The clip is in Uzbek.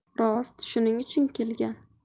rost shuning uchun kelgan